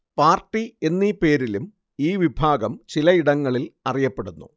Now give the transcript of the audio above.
party എന്നീ പേരിലും ഈ വിഭാഗം ചിലയിടങ്ങളിൽ അറിയപ്പെടുന്നു